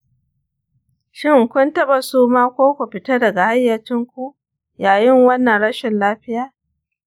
shin kun taɓa suma ko ku fita daga hayyacinku yayin wannan rashin lafiyar?